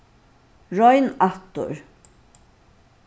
royn aftur